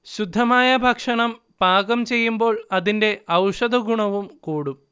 ശുദ്ധമായ ഭക്ഷണം പാകം ചെയ്യുമ്പോൾ അതിന്റെ ഔഷധഗുണവും കൂടും